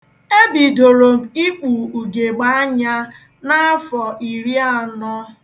Ebidoro m ikpu ugegbaanya n'afọ iri anọ.